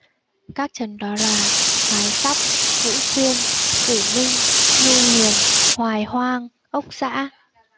các trấn đó là hoài sóc vũ xuyên phủ minh nhu huyền hoài hoang ốc dã